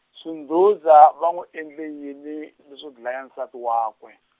Sundhuza va n'wi endle yini leswo dlaya nsati wakwe.